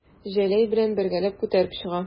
Җәләй белән бергәләп күтәреп чыга.